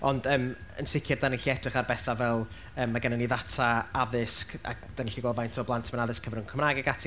Ond, yym yn sicr, dan ni'n gallu edrych ar bethau fel yym ma' gennyn ni ddata addysg a dan ni'n gallu gweld faint o blant mewn addysg cyfrwng Cymraeg ac ati.